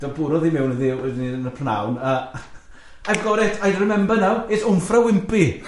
Da bwrodd i mewn iddi, oeddwn i yn y prynhawn, yy I've got it, I remember now, it's Wnffra Wimpy.